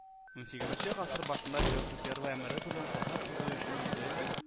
Унсигезенче гасыр башында Петр Первый әмере белән шәһәр төзү өчен Идел